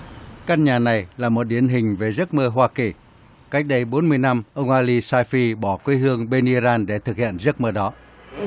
căn nhà này là một điển hình về giấc mơ hoa kỳ cách đây bốn mươi năm ông a li sa phi bỏ quê hương bên i ran để thực hiện giấc mơ đó